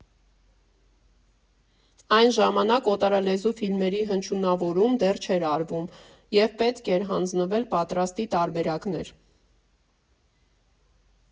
Այն ժամանակ օտարալեզու ֆիլմերի հնչյունավորում դեռ չէր արվում և պետք էր հանձնել պատրաստի տարբերակներ։